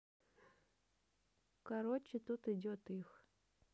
короче тут идет их